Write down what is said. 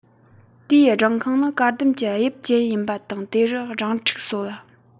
དེའི སྦྲང ཁང ནི ཀ ཟླུམ གྱི དབྱིབས ཅན ཡིན པ དང དེ རུ སྦྲང ཕྲུག གསོ ལ